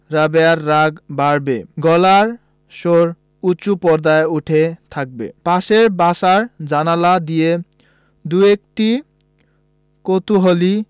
রাবেয়ার রাগ বাড়বে গলার স্বর উচু পর্দায় উঠতে থাকবে পাশের বাসার জানালা দিয়ে দুএকটি কৌতুহলী